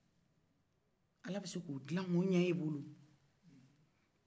ala be se k'o gilan k'o ɲa e bolo